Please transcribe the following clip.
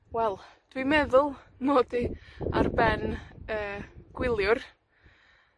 wel, dwi'n meddwl 'mod i ar ben, yy, gwyliwr,